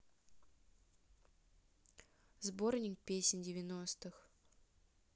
сборник песен девяностых